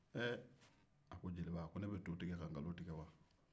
e a ko jeliba ko ne to tigɛ ka nkalo tigɛ